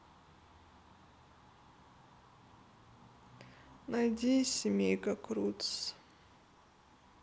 найди семейка крудс